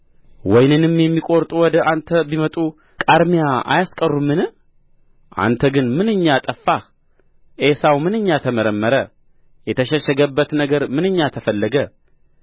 ወይንንም የሚቈርጡ ወደ አንተ ቢመጡ ቃርሚያ አያስቀሩምን አንተ ግን ምንኛ ጠፋህ ዔሳው ምንኛ ተመረመረ የተሸሸገበት ነገር ምንኛ ተፈለገ